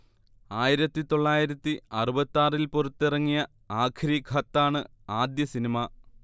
ആയിരത്തി തൊള്ളായിരത്തി അറുപത്തി ആറിൽ പുറത്തിറങ്ങിയ 'ആഖ്രി ഖത്താ' ണ് ആദ്യ സിനിമ